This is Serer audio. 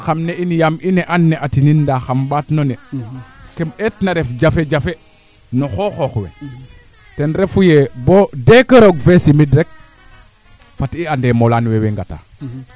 naanga jega courage faaga nda o kiin refee machine o kiin refe machine a jega kee o fiya ngaan xaye numtu wiid teeno feet numtu wiid teena rakla